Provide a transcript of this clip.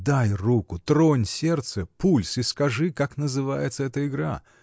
Дай руку, тронь сердце, пульс и скажи, как называется эта игра?